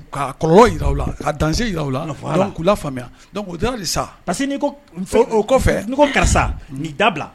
Ka kɔlɔlɔ yira aw la. Na danger aw la. Ku la famuya . Donc au delà de ça . Parceque ni ko o kɔfɛ n'i ko karisa n'i dabila